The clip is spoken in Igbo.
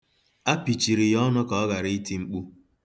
A pịchiri ya ọnụ ka ọ ghara iti mkpu.